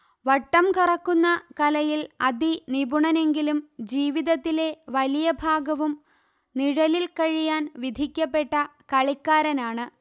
വട്ടം കറക്കുന്ന കലയിൽ അതിനിപുണനെങ്കിലും ജീവിതത്തിലെ വലിയ ഭാഗവും നിഴലിൽ കഴിയാൻവിധിക്കപ്പെട്ട കളിക്കാരനാണ്